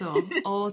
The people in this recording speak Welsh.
Do... ...o Do.